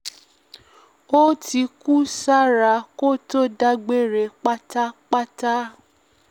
Ó ti kú sára kó tó dágbére pátápátá.